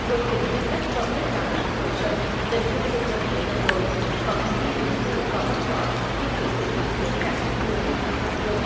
bồi dưỡng nhân cách phẩm chất đạo đức lối sống tình thương yêu đồng chí đồng đội có hành vi ứng xử có văn hóa kiên quyết xử lý nghiêm các hiện tượng vi phạm pháp luật